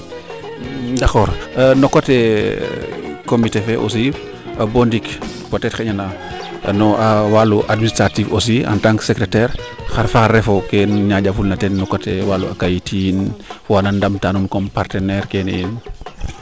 d' accord no coté comité fee aussi bo ndiik peut etre xayna no walu administrative aussi en tant secretaire xar fo xar refu no kee nu ñaaƴ na teen no coté a kayit tiin waana ndamta nuun comme walu partenaire keene yiin